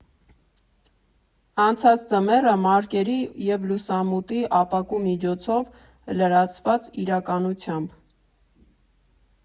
Անցած ձմեռը՝ մարկերի և լուսամուտի ապակու միջոցով լրացված իրականությամբ։